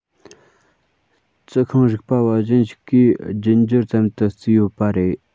རྩི ཤིང རིག པ བ གཞན ཞིག གིས རྒྱུད འགྱུར ཙམ དུ བརྩིས ཡོད པ རེད